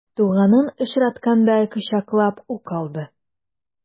Туганын очраткандай кочаклап ук алды.